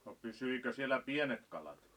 no pysyikö siellä pienet kalat